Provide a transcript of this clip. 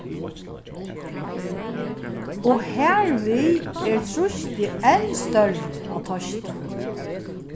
og har við er trýstið enn størri á teistan